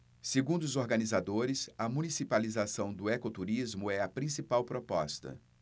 segundo os organizadores a municipalização do ecoturismo é a principal proposta